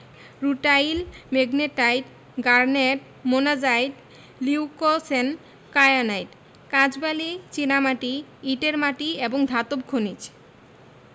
rutile magnetite garnet monazite leucoxene kyanite কাঁচবালি চীনামাটি ইটের মাটি এবং ধাতব খনিজ